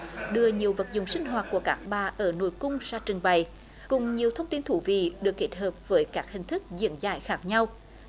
đưa nhiều vật dụng sinh hoạt của các bà ở nội cung ra trình bày cùng nhiều thông tin thú vị được kết hợp với các hình thức diễn giải khác nhau